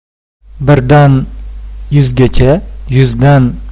birdan yuzgacha yuzdan